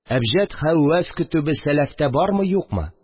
Әбҗәд, һәүвәз көтебе сәләфтә бармы, юкмы